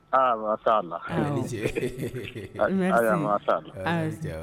A masa la a ma la